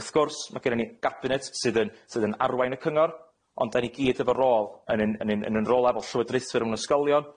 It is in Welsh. Wrth gwrs ma' gennyn ni Gabinet sydd yn sydd yn arwain y Cyngor, ond 'dan ni gyd efo rôl yn yn yn yn yn rôla' fel Llywodraethwyr mewn ysgolion,